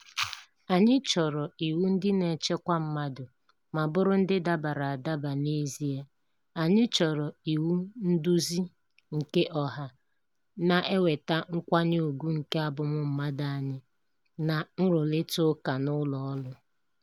Anyị chọrọ iwu ndị na-echekwa anyị ma bụrụ ndị dabara adaba n'ezie, anyị chọrọ iwunduzi keọha na-eweta nkwanye ugwu nke abụmụmmadụ anyị na nrụrịtaụka na ụlọ ọrụ.